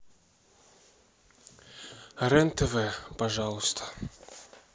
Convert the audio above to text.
рен тв пожалуйста